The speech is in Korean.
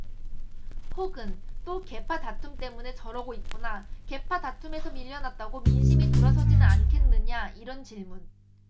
혹은 또 계파 다툼 때문에 저러고 있구나 계파다툼에서 밀려났다고 민심이 돌아서지는 않겠느냐 이런 질문